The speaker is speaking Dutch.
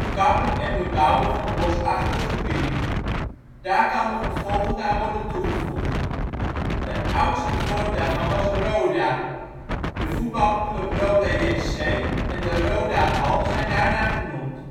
kappen en bebouwen van bosachtig gebied. Daar kan nog het volgende aan worden toegevoegd. De oudste vorm daarvan was roda. De voetbalclub Roda JC en de Rodahal zijn daarnaar genoemd